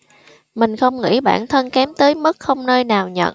mình không nghĩ bản thân kém tới mức không nơi nào nhận